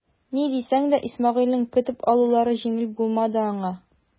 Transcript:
Ни дисәң дә Исмәгыйлен көтеп алулары җиңел булмады аңа.